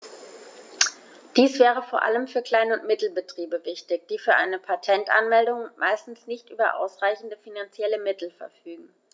Dies wäre vor allem für Klein- und Mittelbetriebe wichtig, die für eine Patentanmeldung meistens nicht über ausreichende finanzielle Mittel verfügen.